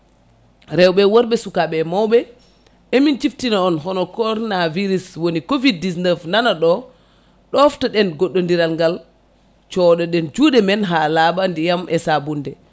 rewɓe e worɓe sukaɓe e mawɓe emin ciftina on hono corona :ffra virus woni COVID 19 nana ɗo ɗoftoɗen goɗɗo diral ngal coɗoɗen juuɗe men ha laaɓa ndiyam e sabunde